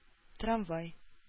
Трамвай